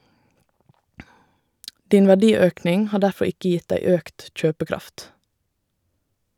Din verdiøkning har derfor ikke gitt deg økt kjøpekraft.